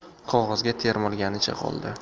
qog'ozga termilganicha qoldi